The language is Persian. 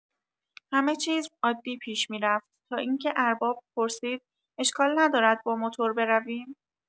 همه چیز عادی پیش می‌رفت تا اینکه ارباب پرسید: اشکال ندارد با موتور برویم؟